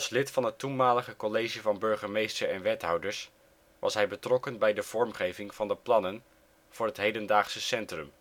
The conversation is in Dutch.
lid van het toenmalige college van burgemeester en wethouders was hij betrokken bij de vormgeving van de plannen voor het hedendaagse centrum